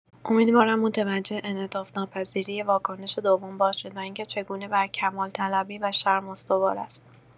امیدوارم متوجه انعطاف‌ناپذیری واکنش دوم باشید و اینکه چگونه بر کمال‌طلبی و شرم استوار است.